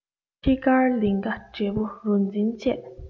ཁྱི དཀར ལིངྒ འབྲས བུ རོ འཛིན བཅས